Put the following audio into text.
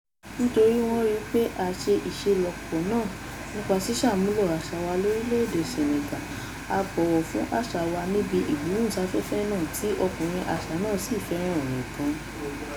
Nítorí wọ́n ríi pé a ṣe ìṣelọ́pọ̀ náà nípa sísàmúlò àṣà wa lórílẹ̀ èdè Senegal...a bọ̀wọ̀ fún àṣà wa níbi ìgbóhùnsáfẹ́fẹ́ náà tí "ọkùnrin àṣà" náà sì fẹ́ràn rẹ̀ gan-an.